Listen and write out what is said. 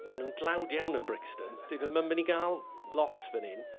Maen nhw'n dlawd iawn yn Brixton. Dan ni ddim yn mynd i gael lot fan hyn.